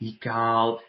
i ga'l